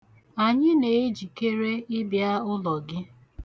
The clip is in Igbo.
Anyị na-ejikere ịbịa ụlọ gị.